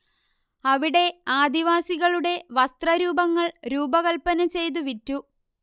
അവിടെ ആദിവാസികളുടെ വസ്ത്രരൂപങ്ങൾ രൂപകൽപ്പന ചെയ്തു വിറ്റു